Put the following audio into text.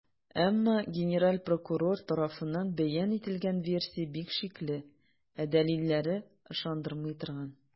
Әмма генераль прокурор тарафыннан бәян ителгән версия бик шикле, ә дәлилләре - ышандырмый торган.